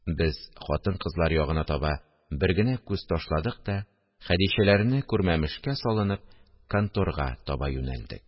Без хатын-кызлар ягына таба бер генә күз ташладык та, Хәдичәләрне күрмәмешкә салынып, конторга таба юнәлдек